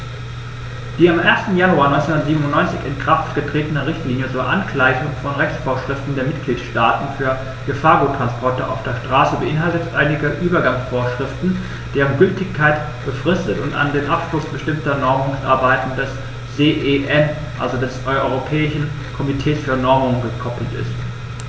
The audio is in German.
Die am 1. Januar 1997 in Kraft getretene Richtlinie zur Angleichung von Rechtsvorschriften der Mitgliedstaaten für Gefahrguttransporte auf der Straße beinhaltet einige Übergangsvorschriften, deren Gültigkeit befristet und an den Abschluss bestimmter Normungsarbeiten des CEN, also des Europäischen Komitees für Normung, gekoppelt ist.